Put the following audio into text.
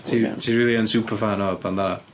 Ti ti rili yn superfan o Bandana?